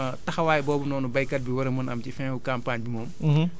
xam naa taxawaay boobu noonu béykat bi war a mën a am ci fin wu campagne bi moom